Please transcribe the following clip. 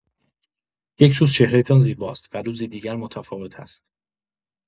یک روز چهره‌تان زیباست و روزی دیگر متفاوت است!